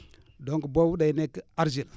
donc boobu day nekk argile